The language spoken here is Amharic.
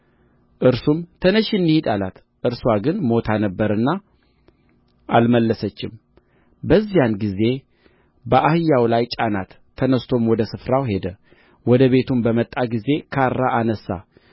ተነሺ እንሂድ አላት እርስዋ ግን ሞታ ነበርና አልመለሰችም በዚያን ጊዜ በአህያው ላይ ጫናት ተነሥቶም ወደ ስፍራው ሄደ ወደ ቤቱም በመጣ ጊዜ ካራ አነሣ